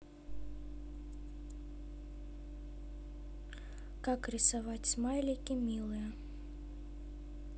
как рисовать смайлики милые